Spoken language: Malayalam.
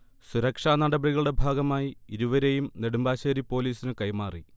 സുരക്ഷാ നടപടികളുടെ ഭാഗമായി ഇരുവരെയും നെടുമ്പാശേരി പോലീസിനുകൈമാറി